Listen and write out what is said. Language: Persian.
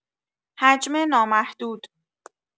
حجم نامحدود